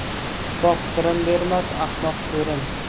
sipoh sirin bermas ahmoq to'rin